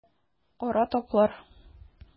Кара таплар.